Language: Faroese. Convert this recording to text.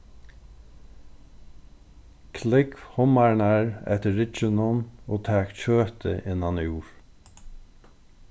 klúgv hummararnar eftir rygginum og tak kjøtið innanúr